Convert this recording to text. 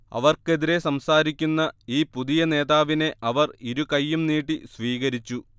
അവർക്കെതിരേ സംസാരിക്കുന്ന ഈ പുതിയ നേതാവിനെ അവർ ഇരുകൈയ്യും നീട്ടി സ്വീകരിച്ചു